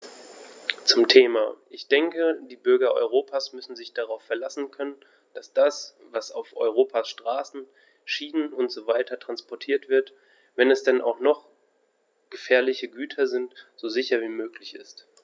Zum Thema: Ich denke, die Bürger Europas müssen sich darauf verlassen können, dass das, was auf Europas Straßen, Schienen usw. transportiert wird, wenn es denn auch noch gefährliche Güter sind, so sicher wie möglich ist.